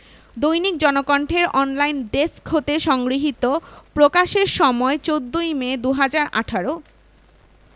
দৈনিক জনকণ্ঠের online desk হতে সংগৃহীত প্রকাশের সময় ১৪ মে ২০১৮